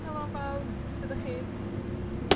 Helo bawb. Sud 'dach chi?